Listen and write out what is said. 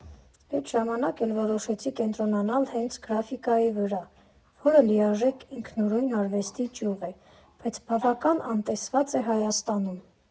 Էդ ժամանակ էլ որոշեցի կենտրոնանալ հենց գրաֆիկայի վրա, որը լիարժեք ինքնուրույն արվեստի ճյուղ է, բայց բավական անտեսված է Հայաստանում։